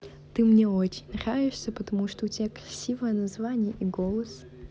ты мне очень нравишься потому что у тебя красивое название и голос